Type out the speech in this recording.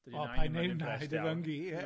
O, paid neid 'na i dy famgu ie?